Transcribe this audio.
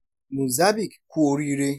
Mozambique, kú oríire!